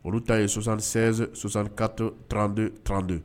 Olu ta ye sonsan sɛ sonsankato tranterante